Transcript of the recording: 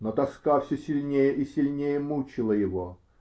Но тоска все сильнее и сильнее мучила его.